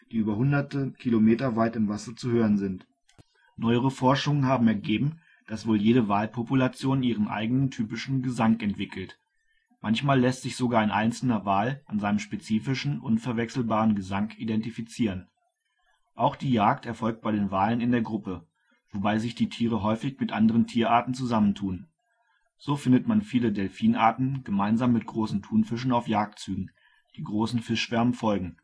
über hunderte Kilometer weit im Wasser zu hören sind. Neuere Forschungen haben ergeben, dass wohl jede Walpopulation ihren eigenen typischen Gesang entwickelt. Manchmal lässt sich sogar ein einzelner Wal an seinem spezifischen, unverwechselbaren Gesang identifizieren. Auch die Jagd erfolgt bei den Walen in der Gruppe, wobei sich die Tiere häufig mit anderen Tierarten zusammentun. So findet man viele Delfinarten gemeinsam mit großen Thunfischen auf Jagdzügen, die großen Fischschwärmen folgen